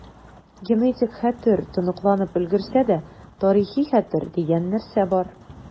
Генетик хәтер тоныкланып өлгерсә дә, тарихи хәтер дигән нәрсә бар.